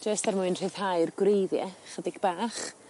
Jyst ar mwyn rhyddhau'r gwreiddie chydig bach.